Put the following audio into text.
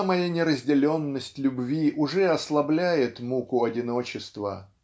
самая неразделенность любви уже ослабляет муку одиночества.